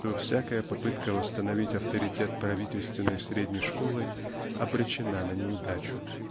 что всякая попытка восстановить авторитет правительственной средней школы обречена на неудачу.